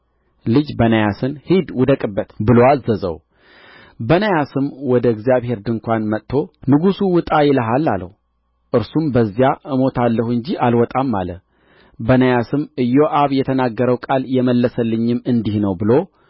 ልጅ በናያስን ሂድ ውደቅበት ብሎ አዘዘው በናያስም ወደ እግዚአብሔር ድንኳን መጥቶ ንጉሡ ውጣ ይልሃል አለው እርሱም በዚህ እሞታለሁ እንጂ አልወጣም አለ በናያስም ኢዮአብ የተናገረው ቃል የመለሰልኝም እንዲህ ነው ብሎ